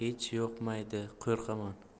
hech yoqmaydi qo'rqaman